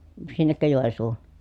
sinnekö Joensuuhun